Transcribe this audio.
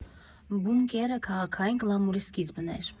«Բունկերը» քաղաքային գլամուրի սկիզբն էր։